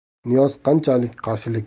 niyoz qanchalik qarshilik